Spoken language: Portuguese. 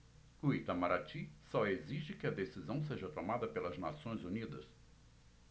o itamaraty só exige que a decisão seja tomada pelas nações unidas